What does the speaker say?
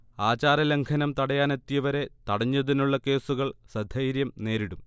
ആചാരലംഘനം തടയാനെത്തിയവരെ തടഞ്ഞതിനുള്ള കേസുകൾ സധൈര്യം നേരിടും